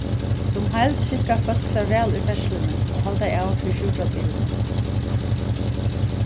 sum heild skikka fólk sær væl í ferðsluni og halda av fyri sjúkrabilinum